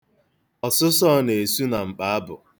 Ọsụsọọ na-esu na mkpaabụ.